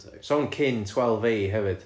'sa hwn cyn twelve a hefyd.